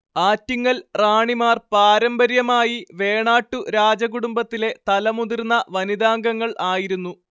ആറ്റിങ്ങൽ റാണിമാർ പാരമ്പര്യമായി വേണാട്ടു രാജകുടുംബത്തിലെ തലമുതിർന്ന വനിതാംഗങ്ങൾ ആയിരുന്നു